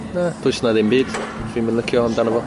yy does 'na ddim byd dwi'm yn licio amdana fo.